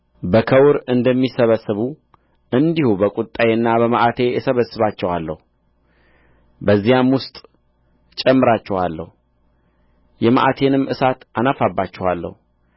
በከውር እንደሚሰበስቡ እንዲሁ በቍጣዬና በመዓቴ እሰበስባችኋለሁ በዚያም ውስጥ እጨምራችኋለሁ አቀልጣችሁማለሁ አሰበስባችሁማለሁ የመዓቴንም እሳት አናፋባችኋለሁ